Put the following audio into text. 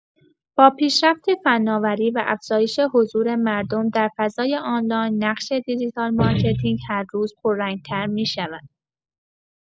با پیشرفت فناوری و افزایش حضور مردم در فضای آنلاین، نقش دیجیتال مارکتینگ هر روز پررنگ‌تر می‌شود.